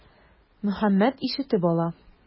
Мөхәммәт ишетеп ала.